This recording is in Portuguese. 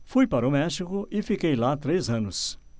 fui para o méxico e fiquei lá três anos